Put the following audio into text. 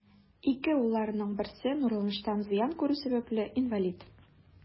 Ике улларының берсе нурланыштан зыян күрү сәбәпле, инвалид.